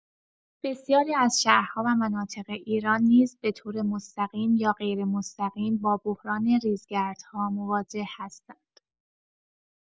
بسیاری از شهرها و مناطق ایران نیز به‌طور مستقیم یا غیرمستقیم با بحران ریزگردها مواجه هستند.